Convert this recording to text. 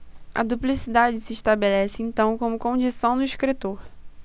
a duplicidade se estabelece então como condição do escritor